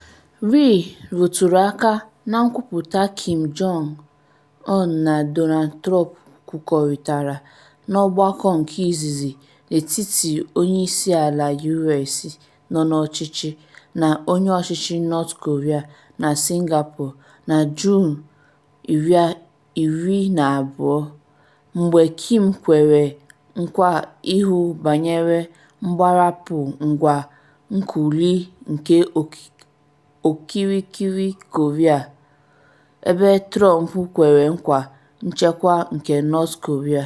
Ri rụtụrụ aka na nkwuputa Kim Jong Un na Donald Trump kwukọrịtara na ọgbakọ nke izizi n’etiti onye isi ala U.S nọ n’ọchịchị na onye ọchịchị North Korea na Singapore na Juun 12, mgbe Kim kwere nkwa ịhụ banyere “mgbarapụ ngwa nuklịa nke okirikiri Korea” ebe Trump kwere nkwa nchekwa nke North Korea.